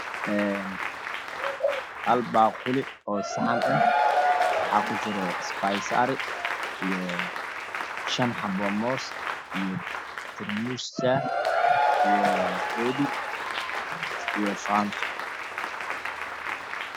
Een hal baaquli oo saxan eh waxaa ku jira bays ari iyo shan xabo moos iyo tarmuus shaah iyo rooshi iyo faanto